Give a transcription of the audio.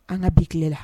An ka bi tilen la